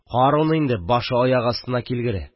– карун инде, башы аягы астына килгере!